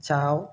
เช้า